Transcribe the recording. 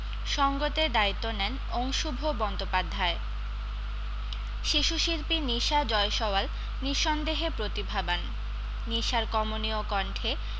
সঙ্গতের দায়িত্ব নেন অংশুভ বন্দ্যোপাধ্যায় শিশুশিল্পী নিশা জয়সওয়াল নিসন্দেহে প্রতিভাবান নিশার কমনীয় কণ্ঠে